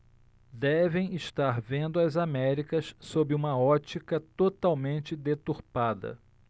devem estar vendo as américas sob uma ótica totalmente deturpada